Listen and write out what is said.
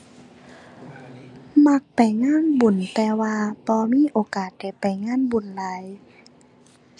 มักไปงานบุญ แต่ว่าบ่มีโอกาสได้ไปงานบุญหลาย